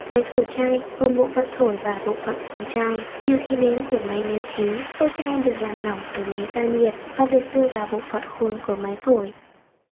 máy thổi chai gồm bộ phận thổi và bộ phận khuôn chai nhờ khí nén của máy nén khí phôi chai được làm lỏng từ máy ra nhiệt và được đưa vào bộ phận khuôn của máy thổi